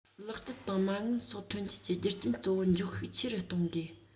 ལག རྩལ དང མ དངུལ སོགས ཐོན སྐྱེད ཀྱི རྒྱུ རྐྱེན གཙོ བོ འཇོག ཤུགས ཆེ རུ གཏོང དགོས